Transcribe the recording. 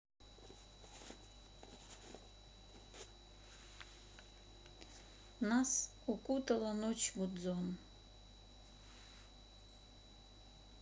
нас укутала ночь гудзон